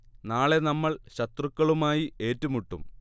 നാളെ നമ്മൾ ശത്രുക്കളുമായി ഏറ്റുമുട്ടും